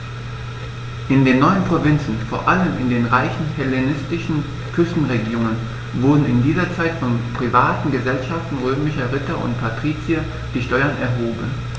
In den neuen Provinzen, vor allem in den reichen hellenistischen Küstenregionen, wurden in dieser Zeit von privaten „Gesellschaften“ römischer Ritter und Patrizier die Steuern erhoben.